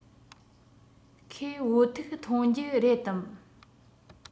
ཁོས བོད ཐུག འཐུང རྒྱུ རེད དམ